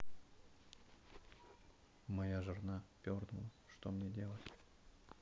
моя жена пернула что мне делать